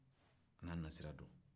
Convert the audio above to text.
a n'a na sira don